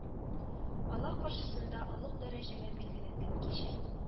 Аллаһ каршысында олуг дәрәҗәгә билгеләнгән кичә